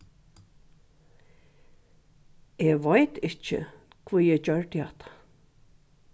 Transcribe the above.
eg veit ikki hví eg gjørdi hatta